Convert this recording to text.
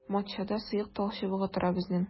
Матчада сыек талчыбыгы тора безнең.